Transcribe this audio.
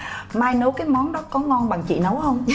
mai nấu cái món đó có ngon bằng chị nấu hông